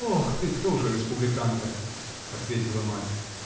"Ох, ты тоже республиканка!" -- ответила мать)